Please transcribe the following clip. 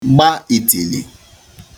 gba itili